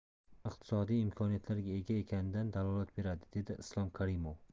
iqtisodiy imkoniyatlarga ega ekanidan dalolat beradi dedi islom karimov